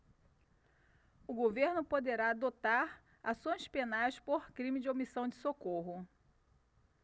o governo poderá adotar ações penais por crime de omissão de socorro